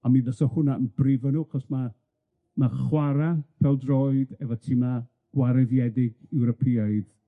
A mi fysa hwnna yn brifo nw, 'chos ma' ma' chwara pêl droed efo tima gwareddiedig Ewropeaidd